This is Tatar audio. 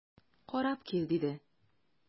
Карап кил,– диде.